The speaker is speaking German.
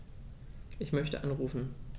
Ich möchte anrufen.